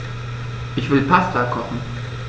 Ich will Pasta kochen.